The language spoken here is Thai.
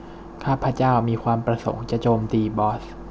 ข้าพเจ้ามีความประสงค์จะโจมตีบอส